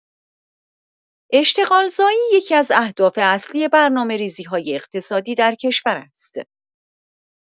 اشتغالزایی یکی‌از اهداف اصلی برنامه‌ریزی‌های اقتصادی در کشور است.